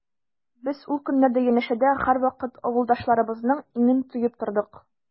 Без ул көннәрдә янәшәдә һәрвакыт авылдашларыбызның иңен тоеп тордык.